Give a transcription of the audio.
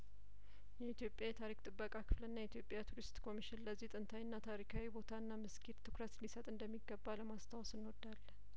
የኢትዮጵያ የታሪክ ጥበቃ ክፍልና የኢትዮጵያ ቱሪስት ኮሚሽን ለዚህ ጥንታዊና ታሪካዊ ቦታና መስጊድ ትኩረት ሊሰጥ እንደሚገባ ለማስታወስ እንወዳለን